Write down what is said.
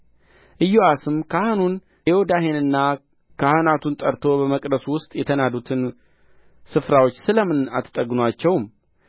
ኢዮአስም ካህኑን ዮዳሄንና ካህናቱን ጠርቶ በመቅደሱ ውስጥ የተናዱትን ስፍራዎች ስለ ምን አትጠግኑአቸውም